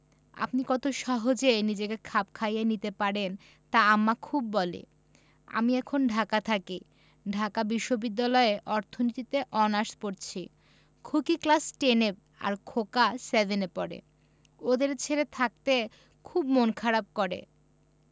আপনি কত সহজে নিজেকে খাপ খাইয়ে নিতে পারেন তা আম্মা খুব বলে আমি এখন ঢাকা থাকি ঢাকা বিশ্ববিদ্যালয়ে অর্থনীতিতে অনার্স পরছি খুকি ক্লাস টেন এ আর খোকা সেভেন এ পড়ে ওদের ছেড়ে থাকতে খুব মন খারাপ করে